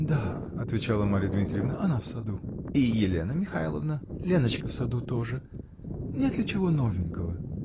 -- Да, -- отвечала Марья Дмитриевна, -- она в саду. -- И Елена Михайловна? -- Леночка в саду тоже. -- Нет ли чего новенького?